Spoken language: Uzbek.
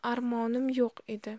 armonim yo'q edi